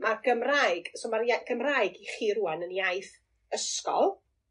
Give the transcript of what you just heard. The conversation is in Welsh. Ma'r Gymraeg so ma'r iai- Gymraeg i chi rŵan yn iaith ysgol